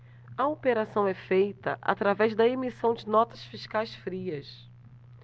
a operação é feita através da emissão de notas fiscais frias